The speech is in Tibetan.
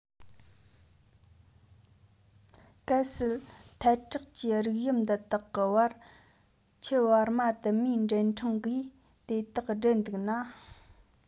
གལ སྲིད ཐལ དྲགས ཀྱི རིགས དབྱིབས འདི དག གི བར ཁྱུ བར མ དུ མའི འབྲེལ ཕྲེང གིས དེ དག སྦྲེལ འདུག ན